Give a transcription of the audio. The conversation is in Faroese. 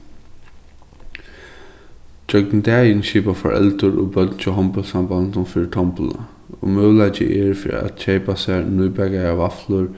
gjøgnum dagin skipa foreldur og børn hjá hondbóltssambandinum fyri tombola og møguleiki er fyri at keypa sær nýbakaðar vaflur